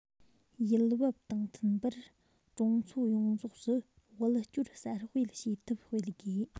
ཡུལ བབ དང མཐུན པར གྲོང ཚོ ཡོངས རྫོགས སུ དབུལ སྐྱོར གསར སྤེལ བྱེད ཐབས སྤེལ དགོས